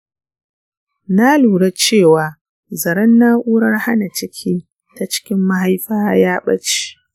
na lura cewa zaren na’urar hana ciki ta cikin mahaifa ya ɓace.